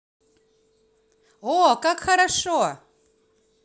о как хорошо